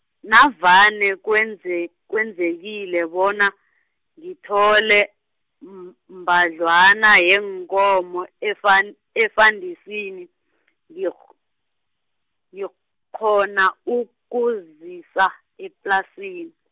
navane kwenze kwenzekile bona, ngithole m- mbadlwana yeenkomo efan- efandesini, ngikg-, ngikghona ukuzisa eplasini.